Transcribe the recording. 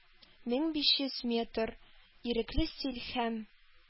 Мең биш йөз метр, ирекле стиль һәм